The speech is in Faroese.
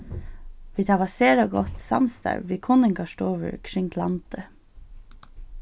vit hava sera gott samstarv við kunningarstovur kring landið